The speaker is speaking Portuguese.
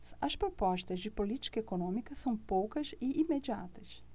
as propostas de política econômica são poucas e imediatas